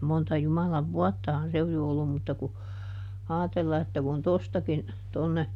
monta Jumalan vuottahan se on jo ollut mutta kun ajatella että kun tuostakin tuonne